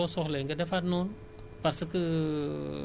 mais loolu kay dugg na ci caisse assurance agricole